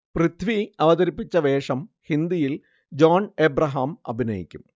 പൃഥ്വി അവതരിപ്പിച്ച വേഷം ഹിന്ദിയിൽ ജോൺ ഏബ്രഹാം അഭിനയിക്കും